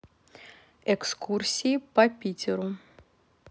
экскурсии по питеру